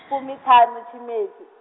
fumiṱhanu tshimedzi.